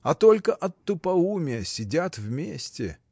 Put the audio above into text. А только от тупоумия сидят вместе.